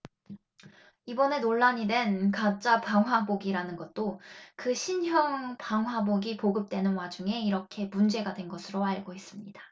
이번에 논란이 된 가짜 방화복이라는 것도 그 신형 방화복이 보급되는 와중에 이렇게 문제가 된 걸로 알고 있습니다